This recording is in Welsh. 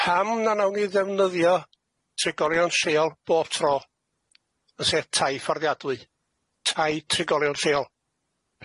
Pam na wnawn ni ddefnyddio trigolion lleol bob tro yn lle tai fforddiadwy, tai trigolion lleol?